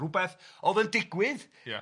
Rhywbeth oedd yn digwydd... Ia